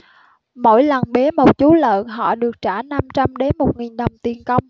mỗi lần bế một chú lợn họ được trả năm trăm đến một nghìn đồng tiền công